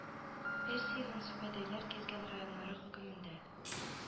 Персиянең сүбәдәйләр гизгән районнары хөкемендә